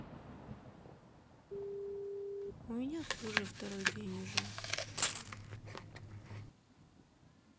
у меня тоже второй день уже